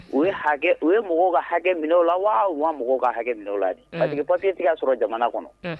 U ye hakɛ u ye mɔgɔw ka hakɛ minɛ o la waa wa mɔgɔw ka hakɛ minɛ la paseke papi tɛ y'a sɔrɔ jamana kɔnɔ